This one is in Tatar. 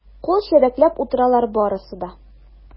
Кул чәбәкләп утыралар барысы да.